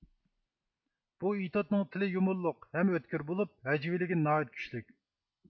بۇ ئېتوتنىڭ تىلى يۇمۇرلۇق ھەم ئۆتكۈر بولۇپ ھەجۋىيلىكى ناھايىتى كۈچلۈك